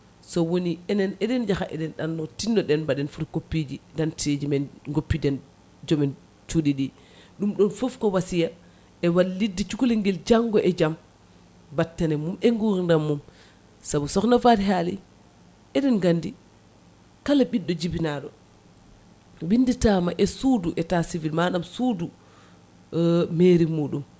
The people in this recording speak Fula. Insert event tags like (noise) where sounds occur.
sowoni enen eɗen jaaha eɗen ɗanno tinno ɗen mbaɗen photocopie ji d' identité men goppi denɓe joom en cuuɗi ɗi ɗum ɗon foof ko wasiya e wallide cukalel guel janggo e jaam battane mum gurdam mum saabu sohna Faty haali eɗen gandi kala ɓiɗɗo jibinaɗo winditama e suudu état civil manam suudu (hesitation) mairie muɗum